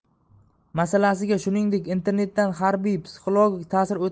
masalasiga shuningdek internetdan harbiy psixologik ta'sir